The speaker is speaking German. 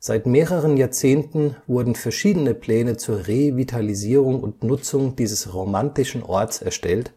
Seit mehreren Jahrzehnten wurden verschiedene Pläne zur Revitalisierung und Nutzung dieses romantischen Orts erstellt,